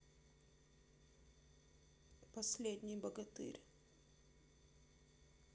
последний богатырь